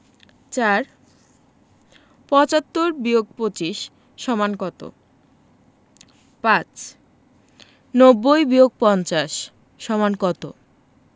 ৪ ৭৫-২৫ = কত ৫ ৯০-৫০ = কত